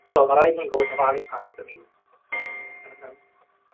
So ma' raid i ni fod yn ofalus pan byddwn ni'n